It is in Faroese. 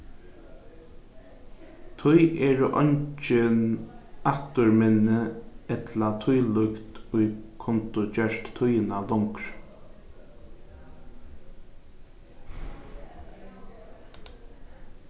tí eru eingi afturminni ella tílíkt ið kundu gjørt tíðina longri